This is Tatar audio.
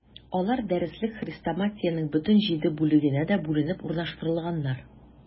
Алар дәреслек-хрестоматиянең бөтен җиде бүлегенә дә бүленеп урнаштырылганнар.